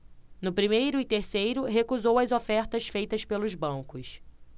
no primeiro e terceiro recusou as ofertas feitas pelos bancos